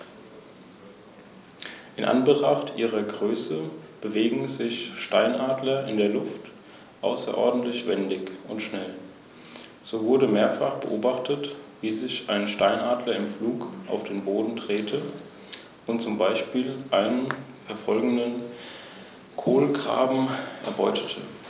Grundfarbe des Gefieders ist ein einheitliches dunkles Braun.